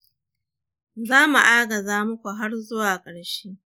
za mu agaza muku har zuwa ƙarshe